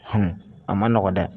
Hun, a man nɔgɔn dɛ